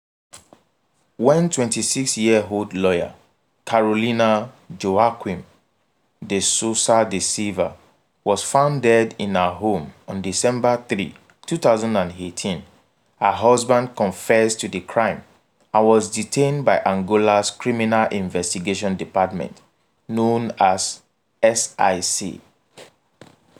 When 26-year-old lawyer Carolina Joaquim de Sousa da Silva was found dead in her home on December 3, 2018, her husband confessed to the crime and was detained by Angola's criminal investigation department known as SIC.